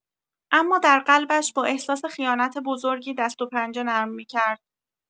اما در قلبش با احساس خیانت بزرگی دست‌وپنجه نرم می‌کرد.